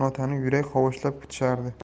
bo'lgan otani yurak hovuchlab kutishardi